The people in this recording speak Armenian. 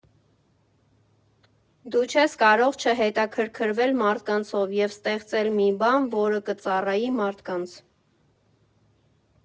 Դու չես կարող չհետաքրքրվել մարդկանցով և ստեղծել մի բան, որը կծառայի մարդկանց։